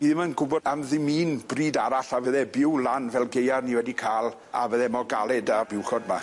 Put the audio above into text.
Fi ddim yn gwbod am ddim un brid arall a fydde byw lan fel Gaea ni wedi ca'l a fydde mor galed a'r buwchod 'ma.